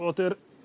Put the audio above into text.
fod yr